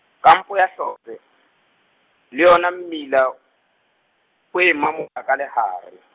kampo ya Hlotse, le yona mmila, o e mamo- ka lehare.